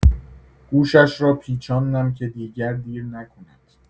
گوشش را پیچاندم که دیگر دیر نکند.